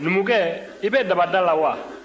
numukɛ i bɛ dabada la wa